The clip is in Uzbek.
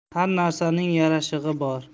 har narsaning yarashig'i bor